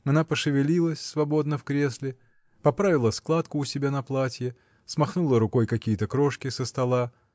Она пошевелилась свободно в кресле, поправила складку у себя на платье, смахнула рукой какие-то крошки со стола.